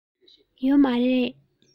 ཡོད མ རེད